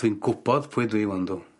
Dwi'n gwbod pwy dwi 'wan 'dw.